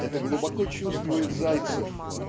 это глубоко чувствует Зайцев